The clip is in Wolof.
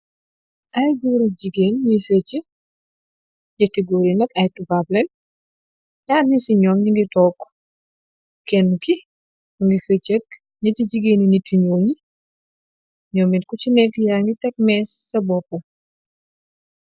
Ay gór ak jigeen yu fecci, ñetti gór yu nak ay tubab lèèn ñaari ñi ci ñom ñugii tóóg, Kenna ki mugii fecci ak ñetti jigeen ni nit yu ñuul ñumit kuci nekka ya ngi tek més ci sa bopú.